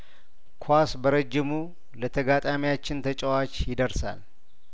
ኳስ በረጅሙ ለተጋጣሚያችን ተጫዋች ይደርሳል